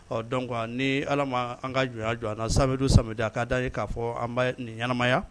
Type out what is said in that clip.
Ɔ dɔn ni ala ma an ka jɔn jɔ an na sayidu sadiya k'a da ye k'a fɔ an nin ɲɛnaanamaya